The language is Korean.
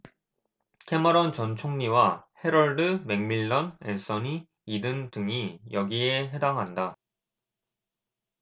캐머런 전 총리와 해럴드 맥밀런 앤서니 이든 등이 여기에 해당한다